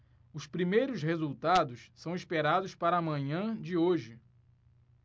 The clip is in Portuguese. os primeiros resultados são esperados para a manhã de hoje